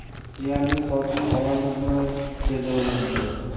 jiyanning sochini olamizmi dedi o'rnidan turib